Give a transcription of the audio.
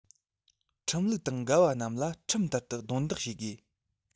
ཁྲིམས ལུགས དང འགལ བ རྣམས ལ ཁྲིམས ལྟར དུ རྡུང རྡེག བྱེད དགོས